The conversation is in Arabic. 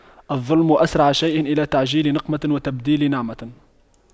الظلم أسرع شيء إلى تعجيل نقمة وتبديل نعمة